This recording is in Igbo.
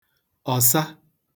ọ̀sa